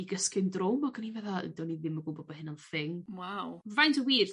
i gysgu'n drwm ag o'n i'n meddwl do'n i ddim yn gwbod bo' hynna'n thing. Waw. Faint o wir